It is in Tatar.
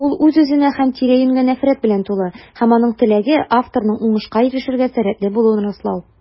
Ул үз-үзенә һәм тирә-юньгә нәфрәт белән тулы - һәм аның теләге: авторның уңышка ирешергә сәләтле булуын раслау.